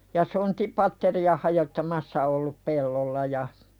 ja sontapatteria hajottamassa ollut pellolla ja